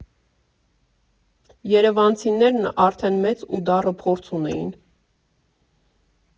Երևանցիներն արդեն մեծ ու դառը փորձ ունեին։